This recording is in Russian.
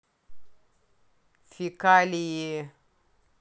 фекалии